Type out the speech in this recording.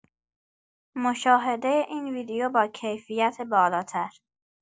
مشاهده این ویدئو باکیفیت بالاتر